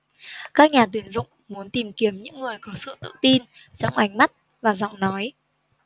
các nhà tuyển dụng muốn tìm kiếm những người có sự tự tin trong ánh mắt và giọng nói